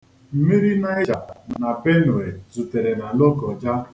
Mmiri Naịja na Benue zutere na Lokoja.